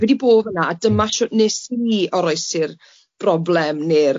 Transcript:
'o fi 'di bod fanna a dyma shwt nes i oroesi'r broblem' ne'r